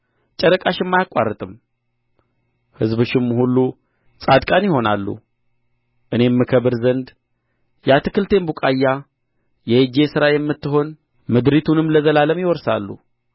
ጨረቃሽም አይቋረጥም ሕዝብሽም ሁሉ ጻድቃን ይሆናሉ እኔም እከብር ዘንድ የአታክልቴን ቡቃያ የእጄ ሥራ የምትሆን ምድሪቱንም ለዘላለም ይወርሳሉ